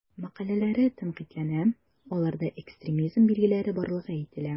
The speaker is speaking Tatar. Мәкаләләре тәнкыйтьләнә, аларда экстремизм билгеләре барлыгы әйтелә.